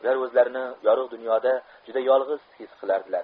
ular o'zlarini yorug' dunyoda juda yolg'iz his qilardilar